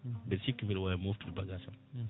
mbeɗa sikki mbiɗa wawi moftude bagage sam